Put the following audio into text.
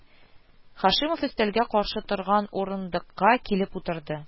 Һашимов өстәлгә каршы торган урындыкка килеп утырды